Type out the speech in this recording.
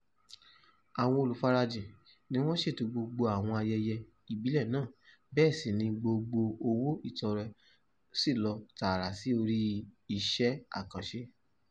Àwọn olùfarajìn ni wọ́n ṣẹ̀tò gbogbo àwọn ayẹyẹ ìbílẹ̀ náà bẹ́ẹ̀ sì ni gbogbo owó ìtọrẹ sí lọ tààrà sí orí àwọn iṣẹ́ àkànṣe.